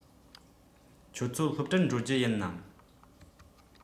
ཁྱོད ཚོ སློབ གྲྭར འགྲོ རྒྱུ ཡིན ནམ